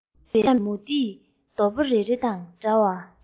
བཀྲམ པའི མུ ཏིག རྡོག པོ རེ རེ དང འདྲ